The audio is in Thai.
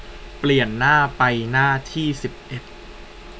เปลี่ยนหน้าไปหน้าที่สิบเอ็ด